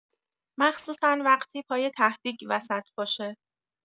مخصوصا وقتی پای ته‌دیگ وسط باشه!